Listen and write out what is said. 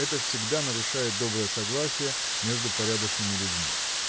это всегда нарушает доброе согласие между порядочными людьми.